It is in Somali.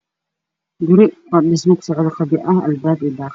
Guri dhismo ku socto oo qabyo ah albaabka io daqad